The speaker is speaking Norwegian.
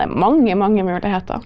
det er mange, mange muligheter.